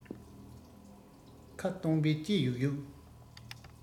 ཁ སྟོང པས ལྕེ ཡུག ཡུག